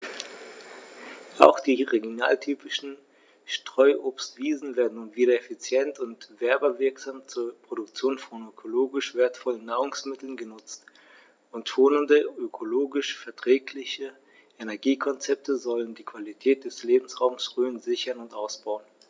Auch die regionaltypischen Streuobstwiesen werden nun wieder effizient und werbewirksam zur Produktion von ökologisch wertvollen Nahrungsmitteln genutzt, und schonende, ökologisch verträgliche Energiekonzepte sollen die Qualität des Lebensraumes Rhön sichern und ausbauen.